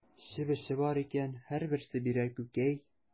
Чебеше бар икән, һәрберсе бирә күкәй.